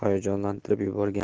meni hayajonlantirib yuborgandi